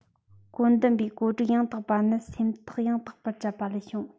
བཀོད འདོམས པའི བཀོད སྒྲིག ཡང དག པ ནི སེམས ཐག ཡང དག པར བཅད པ ལས བྱུང